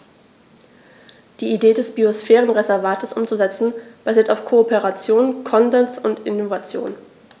Die Idee des Biosphärenreservates umzusetzen, basiert auf Kooperation, Konsens und Innovation.